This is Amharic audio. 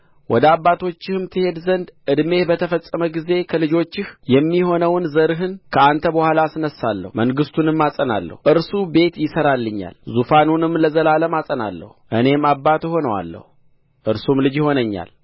ወደ አባቶችህም ትሄድ ዘንድ ዕድሜህ በተፈጸመ ጊዜ ከልጆችህ የሚሆነውን ዘርህን ከአንተ በኋላ አስነሣለሁ መንግሥቱንም አጸናለሁ እርሱ ቤት ይሠራልኛል ዙፋኑንም ለዘላለም አጸናለሁ እኔም አባት እሆነዋለሁ እርሱም ልጅ ይሆነኛል